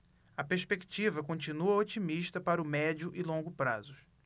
a perspectiva continua otimista para o médio e longo prazos